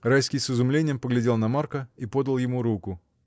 Райский с изумлением поглядел на Марка и подал ему руку.